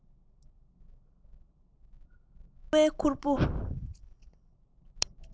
རྒྱབ གྱི ལྕི བའི ཁུར པོ